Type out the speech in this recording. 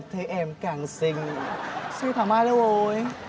thấy em càng xinh xe thảo mai đâu rồi